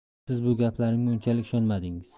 siz bu gaplarimga unchalik ishonmadingiz